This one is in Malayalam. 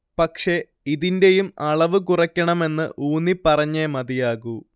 പക്ഷെ ഇതിന്റെയും അളവ് കുറക്കണമെന്ന് ഊന്നി പറഞ്ഞേ മതിയാകൂ